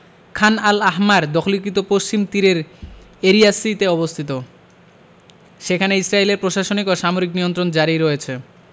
খান al Ahmar দখলীকৃত পশ্চিম তীরের এরিয়া সি তে অবস্থিত সেখানে ইসরাইলের প্রশাসনিক ও সামরিক নিয়ন্ত্রণ জারি রয়েছে